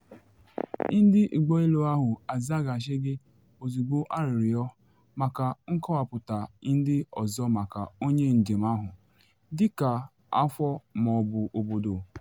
Ndị ụgbọ elu ahụ azaghachighi ozugbo arịrịọ maka nkọwapụta ndị ọzọ maka onye njem ahụ, dị ka afọ ma ọ bụ obodo.